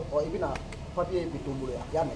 Ɔ i bɛna papi ye bɛ to bolo a y'a mɛn